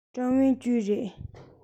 ཀྲང ཝུན ཅུན རེད